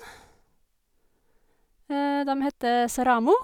Dem heter Saramo.